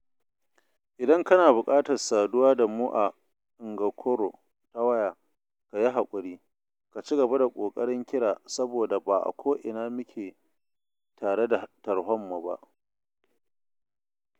“Idan kana buƙatar saduwa da mu a Ngakoro ta waya, ka yi haƙuri, ka ci gaba da ƙoƙarin kira saboda ba a ko'ina muke tare da tarhonmu ba.